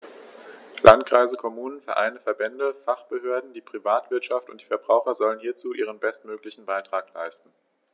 Landkreise, Kommunen, Vereine, Verbände, Fachbehörden, die Privatwirtschaft und die Verbraucher sollen hierzu ihren bestmöglichen Beitrag leisten.